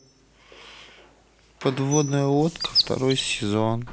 подводная лодка второй сезон